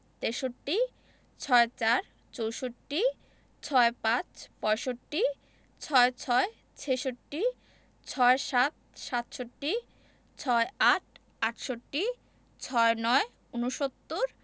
তেষট্টি ৬৪ – চৌষট্টি ৬৫ – পয়ষট্টি ৬৬ – ছেষট্টি ৬৭ – সাতষট্টি ৬৮ – আটষট্টি ৬৯ – ঊনসত্তর